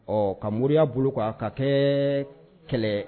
Ɔ ka mori yyaa bolo k' a ka kɛ kɛlɛ